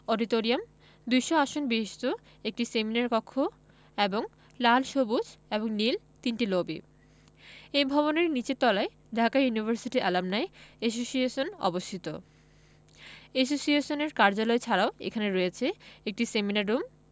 auditorium ২০০ আসন বিশিষ্ট একটি সেমিনার কক্ষ এবং লাল সবুজ এবং নীল তিনটি লবি এ ভবনের নিচের তলায় ঢাকা ইউনিভার্সিটি এলামনাই এসোসিয়েশন অবস্থিত এসোসিয়েশনের কার্যালয় ছাড়াও এখানে রয়েছে একটি সেমিনার রুম